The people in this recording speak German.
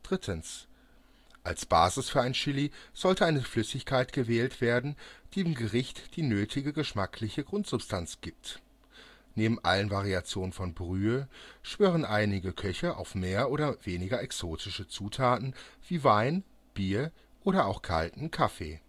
Als Basis für ein Chili sollte eine Flüssigkeit gewählt werden, die dem Gericht die nötige geschmackliche Grundsubstanz gibt. Neben allen Variationen von Brühe schwören einige Köche auf mehr oder weniger exotische Zutaten, wie Wein, Bier oder auch kalten Kaffee